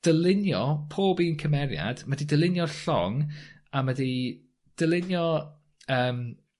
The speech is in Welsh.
dylunio pob un cymeriad ma' di dylunio'r llong a ma' 'di dylunio yym